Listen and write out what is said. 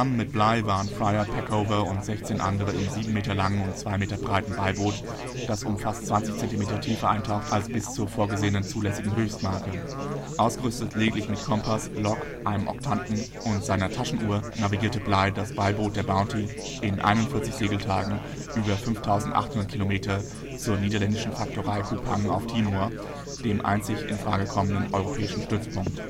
mit Bligh waren Fryer, Peckover und sechzehn andere im 7 m langen und 2 m breiten Beiboot, das um fast 20 cm tiefer eintauchte als bis zur vorgesehenen zulässigen Höchstmarke. Ausgerüstet lediglich mit Kompass, Log, einem Oktanten und seiner Taschenuhr navigierte Bligh das Beiboot der Bounty in 41 Segeltagen über 5.800 km zur niederländischen Faktorei Kupang auf Timor, dem einzig infrage kommenden europäischen Stützpunkt